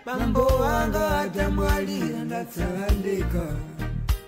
Karamɔgɔ ka tɛbali ka sa le kan